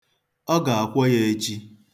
Ọ ga-akwọ ya echi?